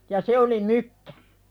ja se oli mykkä